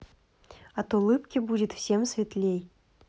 от улыбки будет всем светлей